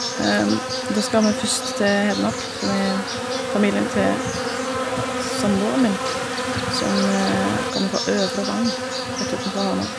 Da skal vi først til Hedmark på med familien til samboeren min, som kommer fra Øvre Vang rett utenfor Hamar.